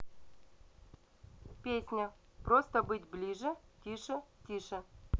песня просто быть ближе тише тише